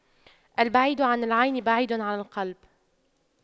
البعيد عن العين بعيد عن القلب